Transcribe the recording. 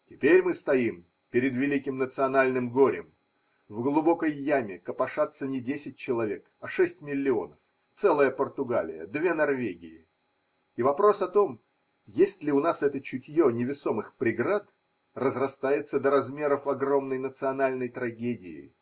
Теперь мы стоим перед великим национальным горем, в глубокой яме копошатся не десять человек, а шесть миллионов, целая Португалия, две Норвегии, и вопрос о том, есть ли у нас это чутье невесомых преград, разрастается до размеров огромной национальной трагедии.